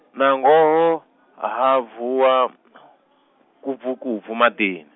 nangoho , ha vuwa , kubvukubvu maḓini.